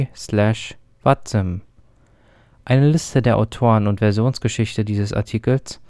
stats.vatsim.net